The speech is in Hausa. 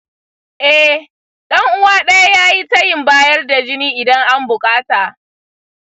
eh, ɗan’uwa ɗaya ya yi tayin bayar da jini idan an buƙata.